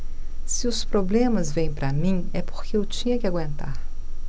se os problemas vêm para mim é porque eu tinha que aguentar